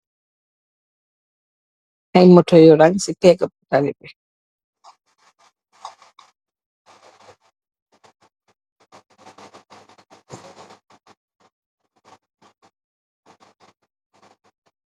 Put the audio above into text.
Ay moto yu rang ci pegga talli bi.